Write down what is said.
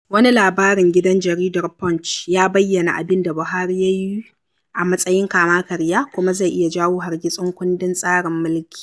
Wani labarin gidan jaridar Punch ya bayyana abin da Buhari ya yi a matsayin kama-karya kuma zai iya jawo hargitsin kundin tsarin mulki: